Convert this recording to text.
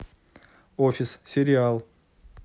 офис сериал